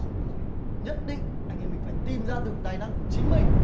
không được nhất định anh em mình phải tìm ra được tài năng của chính mình